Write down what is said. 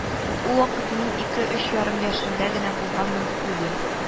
Ул вакыт мин ике-өч ярым яшендә генә булганмын дип уйлыйм